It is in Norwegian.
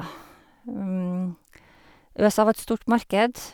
USA var et stort marked.